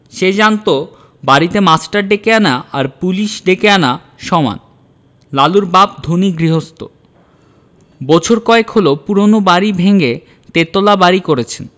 সে জানত বাড়িতে মাস্টার ডেকে আনা আর পুলিশ ডেকে আনা সমান লালুর বাপ ধনী গৃহস্থ বছর কয়েক হলো পুরানো বাড়ি ভেঙ্গে তেতলা বাড়ি করেছেন